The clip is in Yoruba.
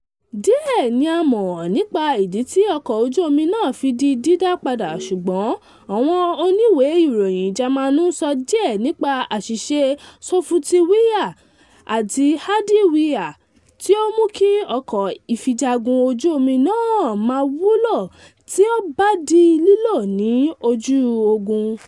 Díẹ̀ ní a mọ̀ nípa ìdí tí ọkọ̀ ojú omi náà fi di dídá padà, ṣùgbọ́n àwọn oníwè ìròyìn jámànù sọ díẹ nípa “àṣìṣe sọ́fútìwíà àti hádìwíà” tí ó mú kí ọkọ̀ ìfijagun ojú omi náà má wúlò tí ó bá di lílò ní ojú ogun.